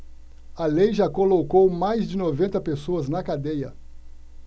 a lei já colocou mais de noventa pessoas na cadeia